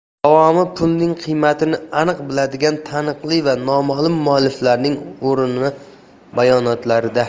davomi pulning qiymatini aniq biladigan taniqli va noma'lum mualliflarning o'rinli bayonotlarida